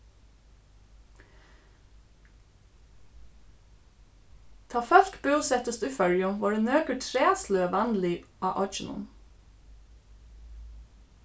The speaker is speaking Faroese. tá fólk búsettust í føroyum vóru nøkur træsløg vanlig á oyggjunum